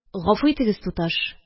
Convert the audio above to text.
Гафу итегез, туташ